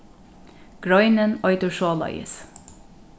greinin eitur soleiðis